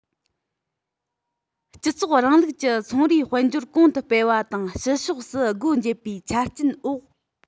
སྤྱི ཚོགས རིང ལུགས ཀྱི ཚོང རའི དཔལ འབྱོར གོང དུ སྤེལ བ དང ཕྱི ཕྱོགས སུ སྒོ འབྱེད པའི ཆ རྐྱེན འོག